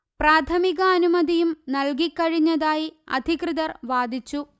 പ്രാഥമികാനുമതിയും നല്കിക്കഴിഞ്ഞതായി അധികൃതർ വാദിച്ചു